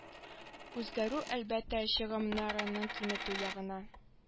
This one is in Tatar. Үзгәрү әлбәттә чыгымнарны киметү ягына